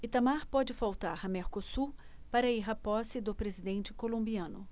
itamar pode faltar a mercosul para ir à posse do presidente colombiano